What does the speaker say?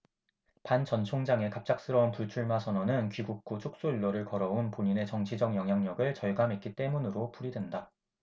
반 전총장의 갑작스러운 불출마선언은 귀국 후 축소일로를 걸어 온 본인의 정치적 영향력을 절감했기 때문으로 풀이된다